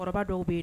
Cɛkɔrɔba dɔw bɛ yen